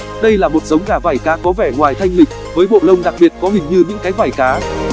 đây là một giống gà vảy cá có vẻ ngoài thanh lịch với bộ lông đặc biệt có hình như những cái vảy cá